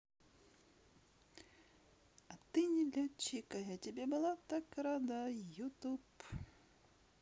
а ты не летчик а я тебе была так рада youtube